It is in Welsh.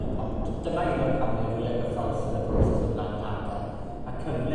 y pot. Dyma un o'r came fwya cyffrous yn y broses o blannu hade, ma' cyfle